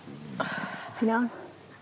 Ti'n iawn?